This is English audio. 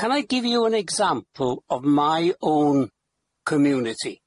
Can I give you an example of my own community?